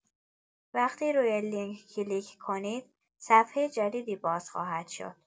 وقتی روی لینک کلیک کنید، صفحه جدیدی باز خواهد شد.